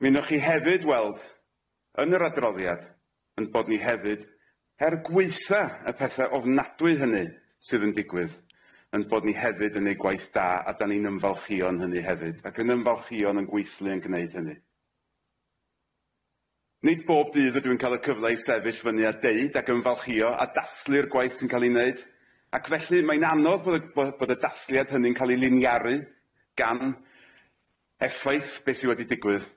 Mi newch chi hefyd weld yn yr adroddiad 'yn bod ni hefyd er gwaetha y pethe ofnadwy hynny sydd yn digwydd 'yn bod ni hefyd yn neu' gwaith da a 'dan ni'n ymfalchio yn hynny hefyd ac yn ymfalchio'n yn gweithlu yn gneud hynny. Nid bob dydd ydw i'n ca'l y cyfle i sefyll fyny a deud ac ymfalchio a dathlu'r gwaith sy'n ca'l 'i neud ac felly mae'n anodd bod y bo- bod y dathliad hynny'n ca'l i liniaru gan effaith be, sy wedi digwydd,